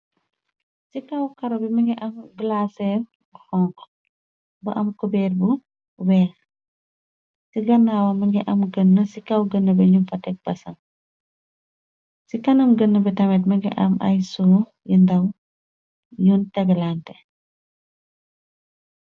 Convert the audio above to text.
Ci kaw karo bi mangi am glaaser xong ba am cobeer bu weex ci gannaawa mangi am gënna ci kaw gëna bi ñum fa teg basam ci kanam gën bi tamet mingi am ay sou yi ndaw yun teglante.